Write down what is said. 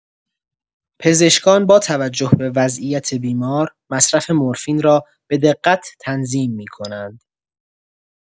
پزشکان با توجه به وضعیت بیمار، مصرف مرفین را به‌دقت تنظیم می‌کنند.